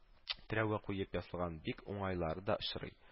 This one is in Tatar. Терәве куеп ясалган бик уңайлылары да очрый